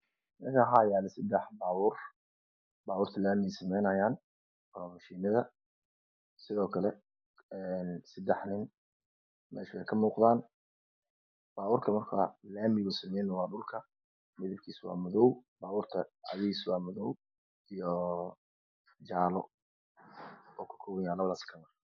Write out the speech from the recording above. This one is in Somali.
Meshaan waxa yala sadex babur baburta lamiga samenayan ama mashiinada sidokale sadex nin mesha wey ka muqdaan baburta marka lamiga samenayan waa dhulka midabkisa waa madow baburka cagahisa waa madow iyo jaalo wuxu ka koban yahy labads kalar